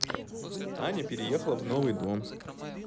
аня переехала в новый дом